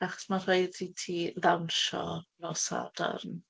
Achos ma' rhaid i ti ddawnsio nos Sadwrn.